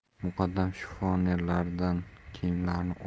muqaddam shifonerlardan kiyimlarini